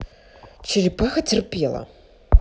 черепаха терпела